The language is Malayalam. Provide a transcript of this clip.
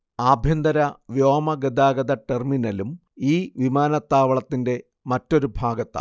ആഭ്യന്തര വ്യോമഗതാഗത ടെർമിനലും ഈ വിമാനത്താവളത്തിന്റെ മറ്റൊരു ഭാഗത്താണ്